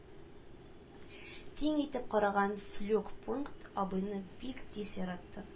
Тиң итеп караган флюгпункт абыйны бик тиз яратты